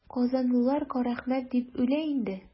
Казанлылар Карәхмәт дип үлә инде.